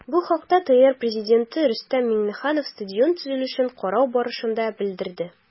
Бу хакта ТР Пррезиденты Рөстәм Миңнеханов стадион төзелешен карау барышында белдерде.